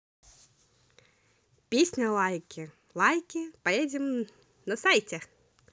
песня лайки лайки поедем на сайте